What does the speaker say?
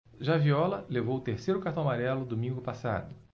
já viola levou o terceiro cartão amarelo domingo passado